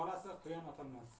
bolasi quyon otolmas